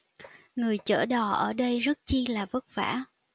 người chở đò ở đây rất chi là vất vả